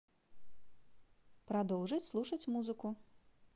продолжить прослушать музыку